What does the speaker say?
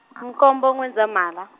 nkombo N'wendzamhala.